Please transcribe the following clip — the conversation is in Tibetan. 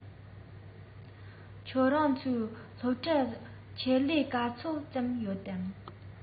ཁྱོད རང ཚོའི སློབ གྲྭར ཆེད ལས ག ཚོད ཙམ ཡོད ན